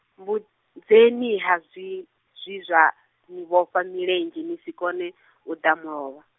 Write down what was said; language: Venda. mmbudzeniha zwi, zwizwa, ni vhofha milenzhe nisi kone, uda mulovha?